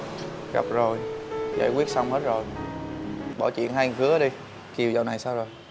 gặp rồi giải quyết xong hết rồi bỏ chuyện hai thằng hứa đi kiều dạo này sao rồi